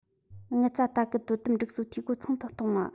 དངུལ རྩ ལྟ སྐུལ དོ དམ སྒྲིལ སྲོལ འཐུས སྒོ ཚང དུ གཏོང བ